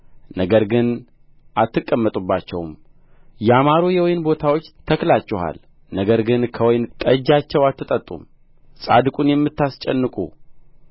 ነገር ግን አትቀመጡባቸውም ያማሩ የወይን ቦታዎች ተክላችኋል ነገር ግን ከወይን ጠጃቸው አትጠጡም ጻድቁን የምታስጨንቁ